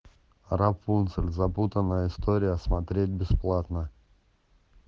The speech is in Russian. рапунцель запутанная история смотреть бесплатно